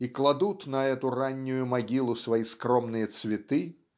и кладут на эту раннюю могилу свои скромные цветы